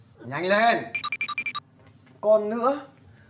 nhanh lên còn nữa